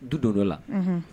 Du donto la